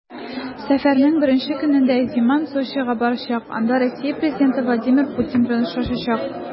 Сәфәренең беренче көнендә Земан Сочига барачак, анда Россия президенты Владимир Путин белән очрашачак.